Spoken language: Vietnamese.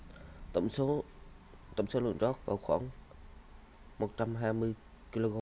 tổng số tổng số lượng rác vào khoảng một trăm hai mươi ki lô gam